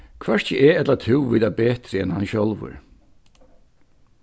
hvørki eg ella tú vita betri enn hann sjálvur